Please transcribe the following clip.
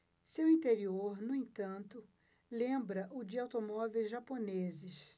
seu interior no entanto lembra o de automóveis japoneses